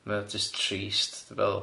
Mae o jyst trist dwi'n meddwl.